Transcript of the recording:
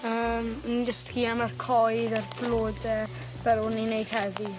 Yym yn dysgu am yr coed a'r blode fel o'n ni'n neud heddi.